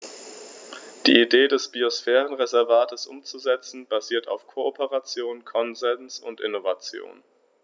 Die Idee des Biosphärenreservates umzusetzen, basiert auf Kooperation, Konsens und Innovation.